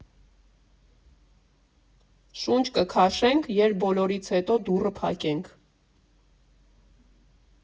Շունչ կքաշենք, երբ բոլորից հետո դուռը փակենք։